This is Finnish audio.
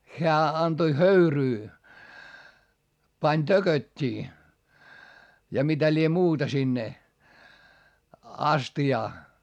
hän antoi höyryä pani tököttiä ja mitä lie muuta sinne astiaan